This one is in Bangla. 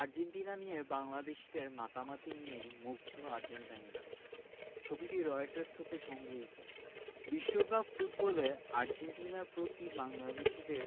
আর্জেন্টিনা নিয়ে বাংলাদেশিদের মাতামাতি নিয়ে মুগ্ধ আর্জেন্টাইনরা ছবিটি রয়টার্স হতে সংগৃহীত বিশ্বকাপ ফুটবলে আর্জেন্টিনার প্রতি বাংলাদেশিদের